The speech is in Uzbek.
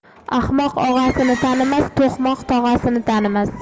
ahmoq og'asini tanimas to'qmoq tog'asini tanimas